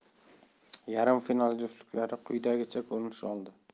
yarim final juftliklari quyidagicha ko'rinish oldi